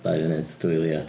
Dau funud, dwy eiliad.